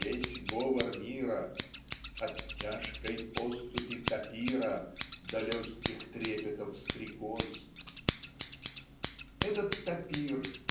весь говор мира" От тяжкой поступи тапира До легких трепетов стрекоз этот тапир